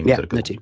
Ie 'na ti.